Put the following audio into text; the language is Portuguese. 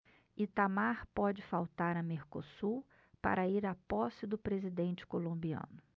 itamar pode faltar a mercosul para ir à posse do presidente colombiano